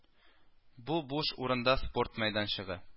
Бу буш урында спорт мәйданчыгы